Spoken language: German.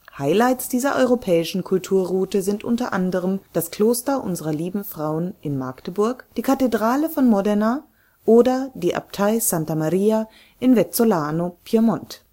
Highlights dieser Europäischen Kulturroute sind u.a. das Kloster Unser Lieben Frauen in Magdeburg, die Kathedrale von Modena, oder die Abtei Santa Maria von Vezzolano (Piemont